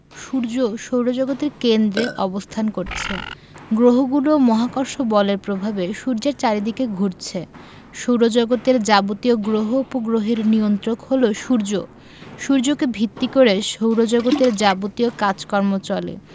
সূর্য সৌরজগতের কেন্দ্রে অবস্থান করছে গ্রহগুলো মহাকর্ষ বলের প্রভাবে সূর্যের চারদিকে ঘুরছে সৌরজগতের যাবতীয় গ্রহ উপগ্রহের নিয়ন্ত্রক হলো সূর্য সূর্যকে ভিত্তি করে সৌরজগতের যাবতীয় কাজকর্ম চলে